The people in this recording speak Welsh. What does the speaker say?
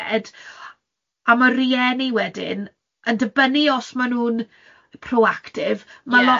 Z, a ma'r rhieni wedyn yn dibynnu os ma' nhw'n proactive... Ie